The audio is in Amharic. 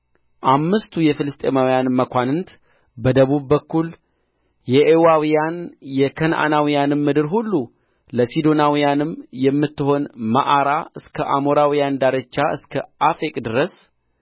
አምስቱ የፍልስጥኤማውያን መኳንንት በደቡብም በኩል የኤዋውያን የከነዓናውያን ምድር ሁሉ ለሲዶናውያንም የምትሆን መዓራ እስከ አሞራውያን ዳርቻ እስከ አፌቅ ድረስ